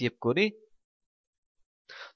yeb ko'ring